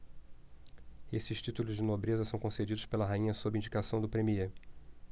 esses títulos de nobreza são concedidos pela rainha sob indicação do premiê